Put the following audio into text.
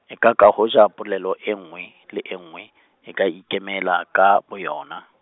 ekaka hoja polelo e nngwe, le e nngwe, e ka ikemela ka boyona.